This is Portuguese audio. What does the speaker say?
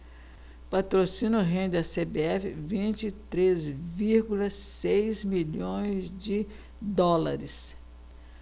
patrocínio rende à cbf vinte e três vírgula seis milhões de dólares